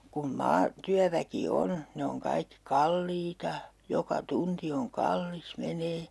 kun - maatyöväki on ne on kaikki kalliita joka tunti on kallis menee